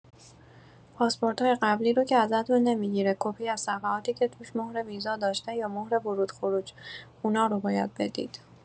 پاسپورتای قبلی رو که ازتون نمی‌گیره، کپی از صفحاتی که توش مهر ویزا داشته یا مهر ورود خروج، اونا رو باید بدید.